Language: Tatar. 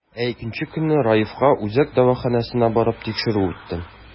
Ә икенче көнне, Раевка үзәк дәваханәсенә барып, тикшерү үттем.